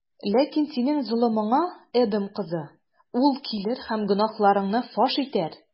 Ләкин синең золымыңа, Эдом кызы, ул килер һәм гөнаһларыңны фаш итәр.